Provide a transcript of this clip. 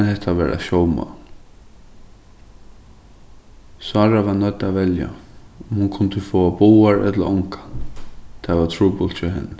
men hetta var eitt sjálvmál sára var noydd at velja um hon kundi fáa báðar ella ongan tað var trupult hjá henni